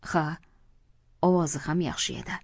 ha ovozi ham yaxshi edi